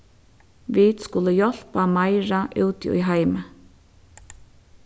vit skulu hjálpa meira úti í heimi